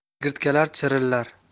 chigirtkalar chirillar